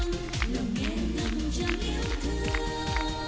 từng phút